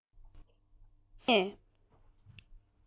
འཆར ཡན ལ དགའ བའི ཞི མི ངས